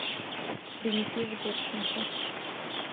бенефис гурченко